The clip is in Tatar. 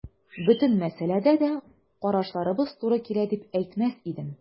Бөтен мәсьәләдә дә карашларыбыз туры килә дип әйтмәс идем.